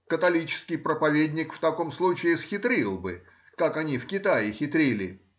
Католический проповедник в таком случае схитрил бы, как они в Китае хитрили